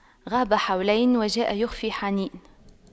غاب حولين وجاء بِخُفَّيْ حنين